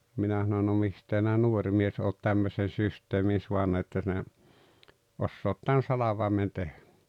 minä sanoin no mistä sinä nuori mies olet tämmöisen systeemin saanut että sinä osaat tämän salvaimen tehdä